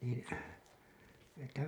niin että